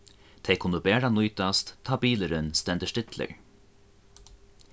tey kunnu bara nýtast tá bilurin stendur stillur